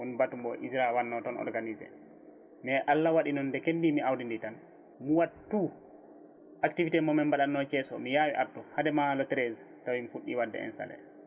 woni baatu mo ISRA wanno toon organisé mais Allah waɗi noon nde kebmi awdi ndi tan mi waat tout activité momin mbaɗanno Thiés o mi yaawi artu haadema le 13 taw en puɗɗi wadde installé